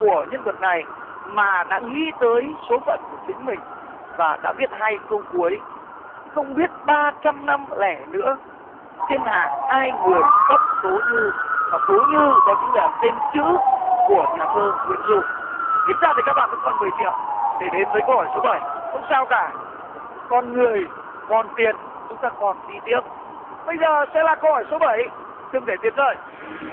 của nhân vật này mà đã nghĩ tới số phận của chính mình và đã viết hai câu cuối không biết ba trăm năm lẻ nữa thiên hạ ai người khóc tố như và tố như đó chính là tên chữ của nhà thơ nguyễn du ít ra thì các bạn vẫn còn mười triệu để đến với câu hỏi số bảy không sao cả còn người còn tiền chúng ta còn đi tiếp bây giờ sẽ là câu hỏi số bảy đừng để tiền rơi